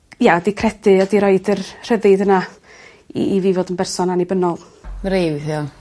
ia 'di credu a di roid yr rhyddid yna i i fi fod yn berson annibynnol. Ma' rei weithia.